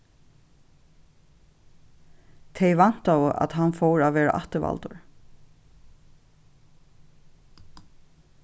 tey væntaðu at hann fór at verða afturvaldur